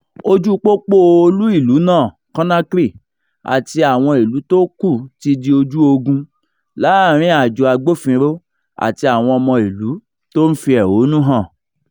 Ojúu pópó olú ìlú náà, Conakry, àti àwọn ìlú tó kù ti di ojú ogun láàárín àjọ agbófinró àti àwọn ọmọ ìlú tó ń fi èhónú hàn.